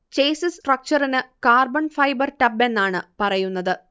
chassis സ്ട്രക്ചറിന് carbon fibre tub എന്നാണ് പറയുന്നത്